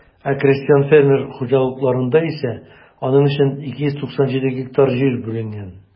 Ә крестьян-фермер хуҗалыкларында исә аның өчен 297 гектар җир бүленгән.